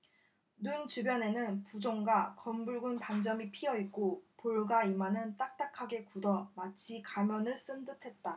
눈 주변에는 부종과 검붉은 반점이 피어 있고 볼과 이마는 딱딱하게 굳어 마치 가면을 쓴 듯했다